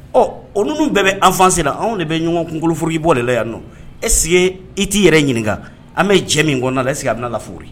Ɔ o ninnu bɛɛ bɛ an fanse la anw de bɛ ɲɔgɔn kunkolooro k'i bɔ de la yan e sigi e t'i yɛrɛ ɲininka an bɛ jɛ min na ese a bɛna la f